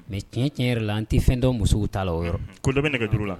Mɛ tiɲɛ tiɲɛ yɛrɛ la an tɛ fɛn dɔ musow ta la o nɛgɛuru la